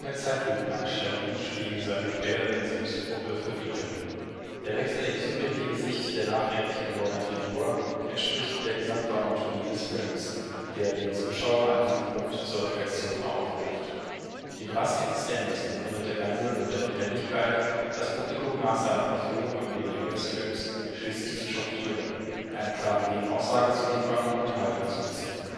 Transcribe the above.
Zeitlupeneinstellungen spiegeln [seine] quälenden Selbstvorwürfe wider “. Der Wechsel in die subjektive Sicht der nachdenklich gewordenen Figur entspricht der Gesamtdramaturgie des Films, der den Zuschauer an diesem Punkt zur Reflexion aufruft. Die Drastik des Endes begründete Gansel mit der Notwendigkeit, das Publikum nach seiner Verführung über die Länge des Films schließlich zu schockieren, eine klare Gegenaussage zu liefern und Haltung zu beziehen